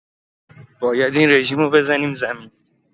باید این رژیمو بزنیم زمین